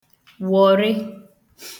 wọ̀rị